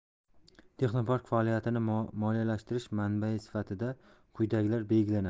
texnopark faoliyatini moliyalashtirish manbai sifatida quyidagilar belgilanadi